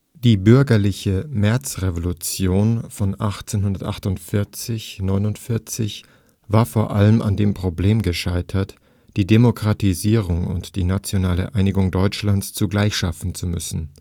Die bürgerliche Märzrevolution von 1848 / 49 war vor allem an dem Problem gescheitert, die Demokratisierung und die nationale Einigung Deutschlands zugleich schaffen zu müssen